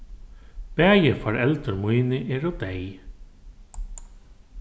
bæði foreldur míni eru deyð